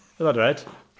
Be oedd o, dwed?